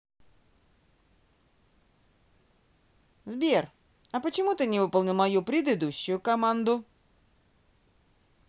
сбер а почему ты не выполнил мою предыдущую команду